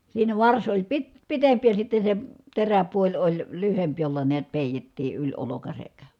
siinä varsi oli - pitempi ja sitten se teräpuoli oli lyhyempi jolla näet peitettiin yli olkansa